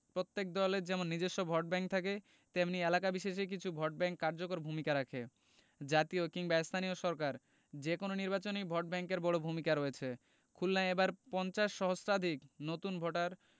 প্রত্যেক দলের যেমন নিজস্ব ভোটব্যাংক থাকে তেমনি এলাকা বিশেষে কিছু ভোটব্যাংক কার্যকর ভূমিকা রাখে জাতীয় কিংবা স্থানীয় সরকার যেকোনো নির্বাচনেই ভোটব্যাংকের বড় ভূমিকা রয়েছে খুলনায় এবার ৫০ সহস্রাধিক নতুন ভোটার